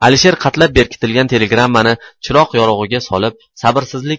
alisher qatlab bekitilgan telegrammani chiroq yorug'iga solib